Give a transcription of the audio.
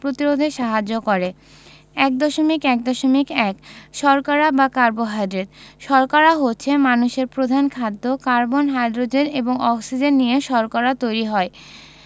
প্রতিরোধে সাহায্য করে ১.১.১ শর্করা বা কার্বোহাইড্রেট শর্করা হচ্ছে মানুষের প্রধান খাদ্য কার্বন হাইড্রোজেন এবং অক্সিজেন নিয়ে শর্করা তৈরি হয়